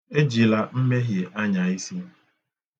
E jila mmehie anya isi.